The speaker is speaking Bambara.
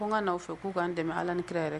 Ko n ka n'aw fɛ k'u k'an dɛmɛ Allah ni kira yɛrɛ kama